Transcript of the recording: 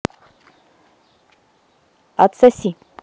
отсоси